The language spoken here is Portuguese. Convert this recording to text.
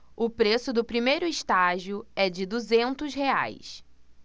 o preço do primeiro estágio é de duzentos reais